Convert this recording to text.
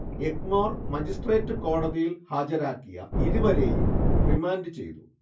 Egmore magistrate കോടതിയിൽ ഹാജരാക്കിയ ഇരുവരെയും റിമാൻഡ് ചെയ്തു